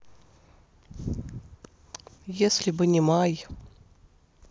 если бы не май